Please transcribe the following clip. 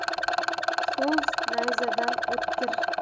so'z nayzadan o'tkir